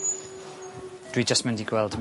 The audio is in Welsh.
Dwi jyst mynd i gweld...